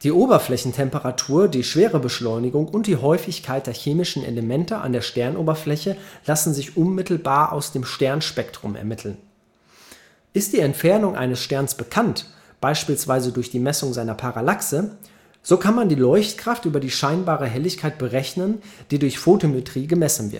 Oberflächentemperatur, die Schwerebeschleunigung und die Häufigkeit der chemischen Elemente an der Sternoberfläche lassen sich unmittelbar aus dem Sternspektrum ermitteln. Ist die Entfernung eines Sterns bekannt, beispielsweise durch die Messung seiner Parallaxe, so kann man die Leuchtkraft über die scheinbare Helligkeit berechnen, die durch Fotometrie gemessen